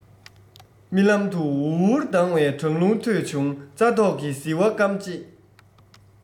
རྨི ལམ དུ འུར འུར ལྡང བའི གྲང རླུང ཐོས བྱུང རྩྭ ཐོག གི ཟིལ བ བསྐམས རྗེས